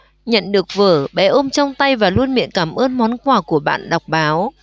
nhận được vở bé ôm trong tay và luôn miệng cảm ơn món quà của bạn đọc báo